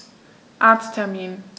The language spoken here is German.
Arzttermin